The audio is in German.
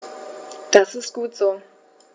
Das ist gut so.